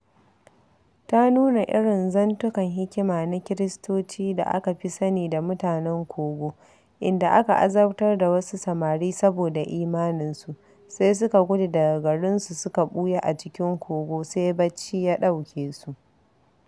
Ta nuna irin zantukan hikima na Kiristoci da aka fi sani da 'mutanen Kogo', inda aka azabtar da wasu samari saboda imaninsu, sai suka gudu daga garinsu suka ɓuya a cikin kogo, sai bacci ya ɗauke su.